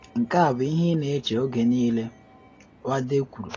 “Nke a bụ ihe ị na eche oge niile,” Wade kwuru.